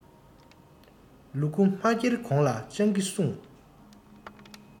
ལུ གུ མ འཁྱེར གོང ལ སྤྱང ཀི སྲུངས